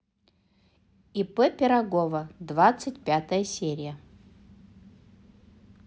ип пирогова двадцать пятая серия